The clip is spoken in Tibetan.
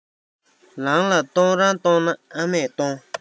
ལང ལ གཏོང རང གཏོང ན ཨ མས གཏོང